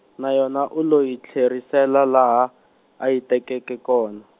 na yona u lo yi tlherisela laha, a yi tekeke kona.